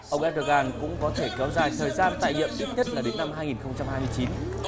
ông ép đô gan cũng có thể kéo dài thời gian tại nhiệm ít nhất là đến năm hai nghìn không trăm hai mươi chín